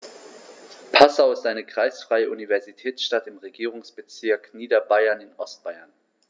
Passau ist eine kreisfreie Universitätsstadt im Regierungsbezirk Niederbayern in Ostbayern.